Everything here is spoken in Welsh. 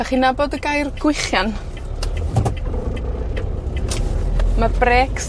'Dch chi'n nabod y gair gwichian? Ma' brêcs